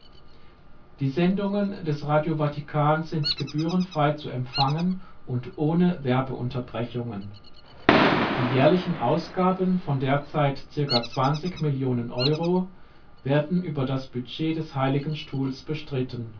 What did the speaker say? Sendungen des Radio Vatikan sind gebührenfrei zu empfangen und ohne Werbeunterbrechungen. Die jährlichen Ausgaben von derzeit ca. 20 Millionen Euro werden über das Budget des Heiligen Stuhl bestritten